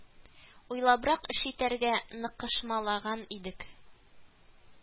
Уйлабрак эш итәргә, ныкышмалаган идек